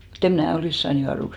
mutta en minä olisi saanut juoduksi